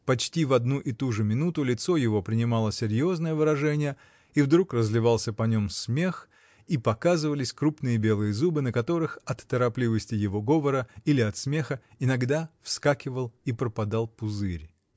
Почти в одну и ту же минуту лицо его принимало серьезное выражение, и вдруг разливался по нем смех и показывались крупные белые зубы, на которых от торопливости его говора или от смеха иногда вскакивал и пропадал пузырь.